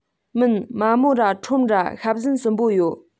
མིན མ མོ ར ཁྲོམ ར ཤ བཟན གསུམ པོ ཡོད